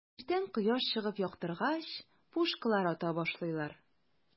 Иртән кояш чыгып яктыргач, пушкалар ата башлыйлар.